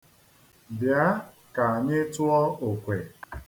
Bịa ka anyị tụọ okwe.